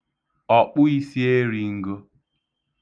ọ̀kpụīsīerīn̄gō